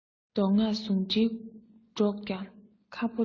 མདོ སྔགས ཟུང འབྲེལ སྒྲོག ཀྱང ཁ ཕོ འདྲ